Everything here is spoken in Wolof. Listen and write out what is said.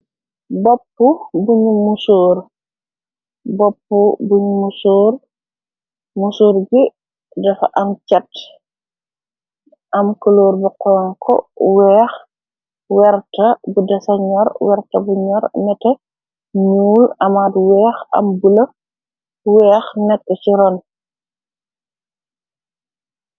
bopp buñu mmu soor gi dafa am cat am kolóor bu xonko weex werta bu desa ñoor werta bu ñoor mete muul amaat weex am bula weex nekk ci ron